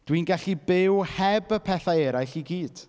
Dwi'n gallu byw heb y pethau eraill i gyd.